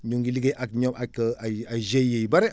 ñu ngi liggéey ak ñoom ak ay ay GIE yu bëre